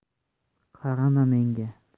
qarama menga